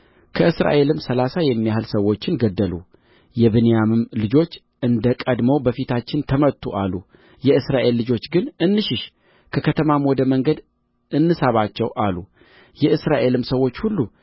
ከእስራኤልም ሠላሳ የሚያህሉ ሰዎችን ገደሉ የብንያምም ልጆች እንደ ቀድሞው በፊታችን ተመቱ አሉ የእስራኤል ልጆች ግን እንሽሽ ከከተማም ወደ መንገድ እንሳባቸው አሉ የእስራኤልም ሰዎች ሁሉ